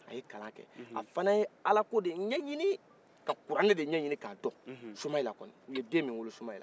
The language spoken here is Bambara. a ye kalan kɛ a fana ye ala ko de ɲɛnin ka kuranɛ de ɲɛɲinin ka dɔn soumaila kɔni u ye den min wolo soumeilla